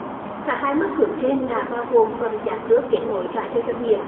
cả hai mức cước trên đã bao gồm phần trả cước kết nối trả cho doanh nghiệp